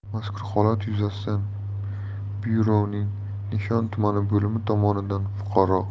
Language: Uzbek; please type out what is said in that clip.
mazkur holat yuzasidan byuroning nishon tumani bo'limi tomonidan fuqaro